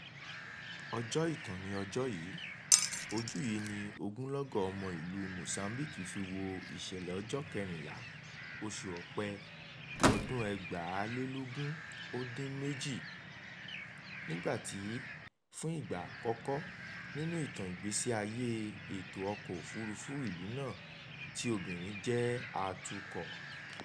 Ọjọ́ ìtàn ni ọjọ́ yìí: ojú yìí ni ogunlọ́gọ̀ ọmọ-ìlú Mozambique fi wo ìṣẹ̀lẹ̀ ọjọ́ 14, oṣù Ọ̀pẹ ọdún 2018 nígbà tí, fún ìgbà àkókọ́ nínú ìtàn ìgbésí ayé ètò ọkọ̀ òfuurufú ìlú náà, tí obìnrin jẹ́ atukọ̀.